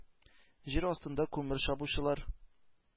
Җир астында күмер чабучылар,